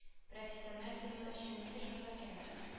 Профессиональ кино өчен нинди шартлар кирәк